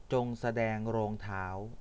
จงแสดงรองเท้า